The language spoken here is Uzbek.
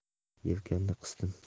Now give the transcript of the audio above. yelkamni qisdim